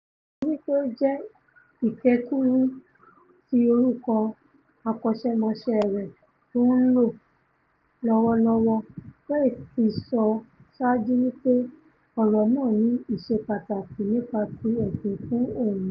Pẹ̀lú wí pé ó jẹ́ ìkékúrú ti orúkọ akọ́ṣẹ́mọṣẹ́ rẹ̀ tó ńlò lọ́wọ́lọ́wọ́, West ti sọ saájú wí pé ọ̀rọ̀ náà ní ìṣepàtàkì nípa ti ẹsìn fún òun